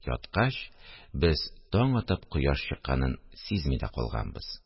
Яткач, без таң атып, кояш чыкканын сизми дә калганбыз